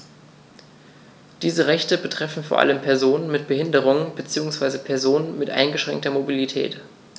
Diese Rechte betreffen vor allem Personen mit Behinderung beziehungsweise Personen mit eingeschränkter Mobilität.